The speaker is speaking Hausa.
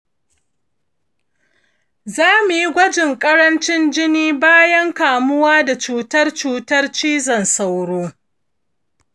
za mu yi gwajin karancin jini bayan kamuwa da cutar cutar cizon sauro.